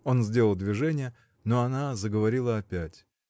Он сделал движение, но она заговорила опять.